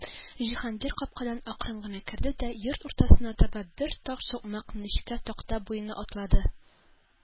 Җиһангир капкадан акрын гына керде дә йорт уртасына таба тар бер сукмак—нечкә такта буенча атлады.